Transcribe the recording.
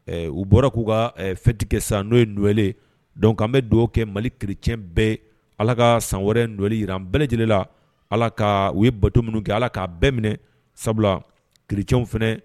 Ɛɛ U bɔra k'u ka fête kɛ sisan n'o ye Noël ye donc an bɛ duwɔwu kɛ Mali chrétien bɛɛ ye Ala ka san wɛrɛ Noël jira an bɛɛ lajɛlen la, Ala ka, u ye bato minnu kɛ, Ala k'a bɛɛ minɛ, sabula chrétien fana